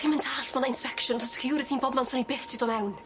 Ti'm yn dallt ma' 'na inspection 'da' security yn bobman swn i byth 'di do' mewn.